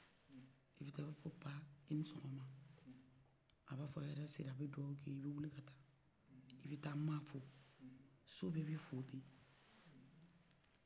i bɛ taa i b'a fo pa ini sɔgɔma a ba fɔ hɛrɛsi lawa a bɛ dugawu k'iye i bɛ wili ka ta i bɛ ta ma fo so bɛbi fo te so bɛbe fo te